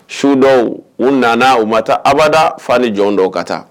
Su dɔw u nana u ma taa abada fa ni jɔn dɔw ka taa